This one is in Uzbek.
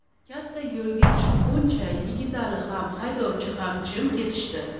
katta yo'lga chiqquncha yigitali ham haydovchi ham jim ketishdi